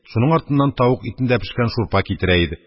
Шуның артыннан тавык итендә пешкән шурпа китерә иде.